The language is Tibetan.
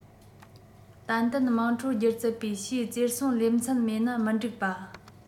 ཏན ཏན དམངས ཁྲོད སྒྱུ རྩལ པའི ཞིའི རྩེར སོན ལེ ཚན མེད ན མི འགྲིག པ